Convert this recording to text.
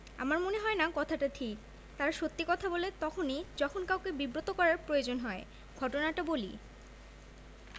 আমার মনে হয় না কথাটা ঠিক তারা সত্যি কথা বলে তখনি যখন কাউকে বিব্রত করার প্রয়োজন হয় ঘটনাটা বলি